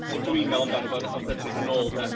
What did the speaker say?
'be, sut dwi'n meddwl amdano fo, wrth edrych yn ôl, de.